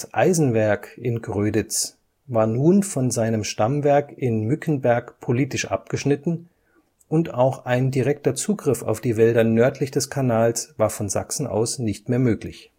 Eisenwerk in Gröditz war nun von seinem Stammwerk in Mückenberg politisch abgeschnitten und auch ein direkter Zugriff auf die Wälder nördlich des Kanals war von Sachsen aus nicht mehr möglich